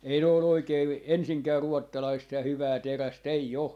ei ne ole oikein ensinkään ruotsalaista ja hyvää terästä ei ole